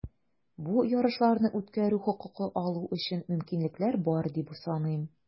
Бу ярышларны үткәрү хокукы алу өчен мөмкинлекләр бар, дип саныйм.